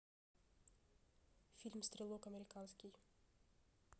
фильм стрелок американский